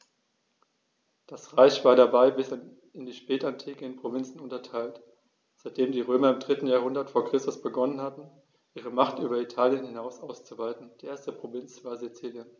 Das Reich war dabei bis in die Spätantike in Provinzen unterteilt, seitdem die Römer im 3. Jahrhundert vor Christus begonnen hatten, ihre Macht über Italien hinaus auszuweiten (die erste Provinz war Sizilien).